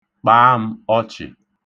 Kpaa m ọchị.